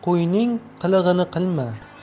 qo'yning qilig'ini qilma